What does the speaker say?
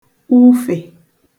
ufè